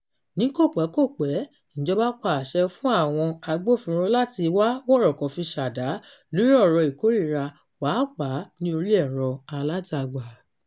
Ní kò pẹ́ kò pẹ́, ìjọba pa àṣẹ fún àwọn agbófinró láti "wá wọ̀rọ̀kọ̀ fi ṣ'àdá lórí ọ̀rọ̀ ìkórìíra, pàápàá ní orí ẹ̀rọ-alátagbà".